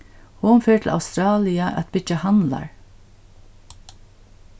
hon fer til australia at byggja handlar